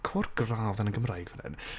co'r gradd yn y Gymraeg fan hyn!